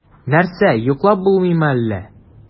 Нәрсә, йоклап булмыймы әллә?